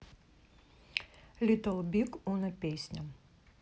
литл биг уно песня